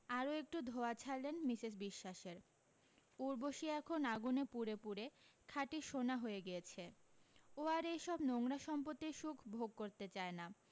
আরও একটু ধোঁয়া ছাড়লেন মিসেস বিশ্বাসের ঊর্বশী এখন আগুনে পুড়ে পুড়ে খাঁটি সোনা হয়ে গিয়েছে ও আর এইসব নোংরা সম্পত্তির সুখ ভোগ করতে চায় না